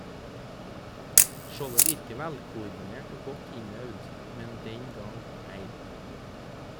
Showet virker velkoordinert og godt innøvd , men den gang ei.